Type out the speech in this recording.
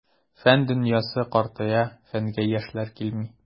Фән дөньясы картая, фәнгә яшьләр килми.